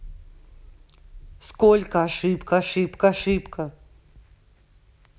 сколько ошибка ошибка ошибка